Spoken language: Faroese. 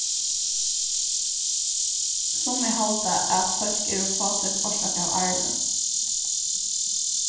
summi halda at fólk eru fátøk orsakað av arvi